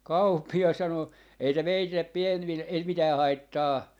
kauppias sanoi ei se meille - ei se mitään haittaa